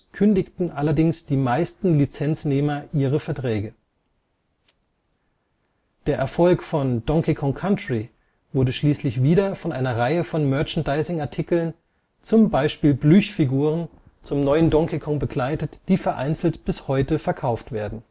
kündigten allerdings die meisten Lizenznehmer ihre Verträge. Der Erfolg von Donkey Kong Country wurde schließlich wieder von einer Reihe von Merchandising-Artikeln, zum Beispiel Plüschfiguren, zum „ neuen “Donkey Kong begleitet, die vereinzelt bis heute verkauft werden